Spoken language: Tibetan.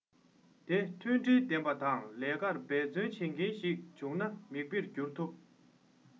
དེ མཐུན སྒྲིལ ལྡན པ དང ལས ཀར འབད རྩོན བྱེད མཁན ཞིག ཡིན ན མིག དཔེར གྱུར ཐུབ